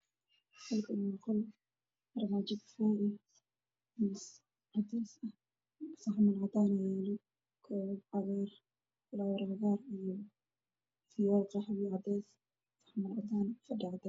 Meeshan waa qol waxaa yeelay sacmuun aada u fara badan